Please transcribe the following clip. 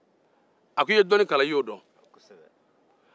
a ko iye dɔnni kalan i y'o dɔn